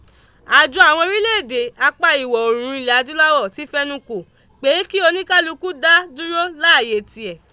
Àjọ àwọn orílẹ̀ èdè apá ìwọ̀ oòrùn ilẹ̀ adúláwọ̀ ti fẹnu kò pé kí oníkalukú dá dúró láàyè tiẹ̀.